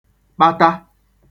kpata